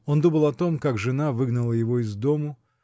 Он думал о том, как жена выгнала его из дому